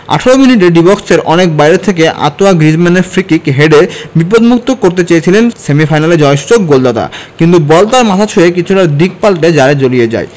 ১৮ মিনিটে ডি বক্সের অনেক বাইরে থেকে আঁতোয়া গ্রিজমানের ফ্রিকিক হেডে বিপদমুক্ত করতে চেয়েছিলেন সেমিফাইনালের জয়সূচক গোলদাতা কিন্তু বল তার মাথা ছুঁয়ে কিছুটা দিক পাল্টে জালে জড়িয়ে যায়